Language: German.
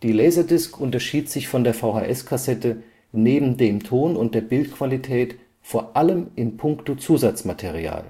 Laserdisc unterschied sich von der VHS-Kassette neben dem Ton und der Bildqualität vor allem in puncto Zusatzmaterial